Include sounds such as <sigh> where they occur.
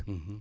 <hesitation> <hesitation>